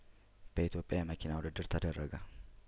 በኢትዮጵያ የመኪና ውድድር ተደረገ